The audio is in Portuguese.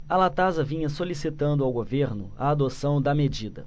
a latasa vinha solicitando ao governo a adoção da medida